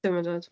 Ddim yn dod.